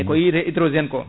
e ko wiyate hydrogéne ko